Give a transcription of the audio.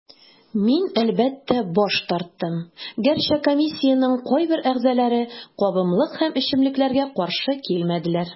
Мин, әлбәттә, баш тарттым, гәрчә комиссиянең кайбер әгъзаләре кабымлык һәм эчемлекләргә каршы килмәделәр.